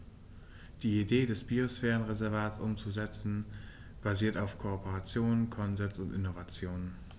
Die Idee des Biosphärenreservates umzusetzen, basiert auf Kooperation, Konsens und Innovation.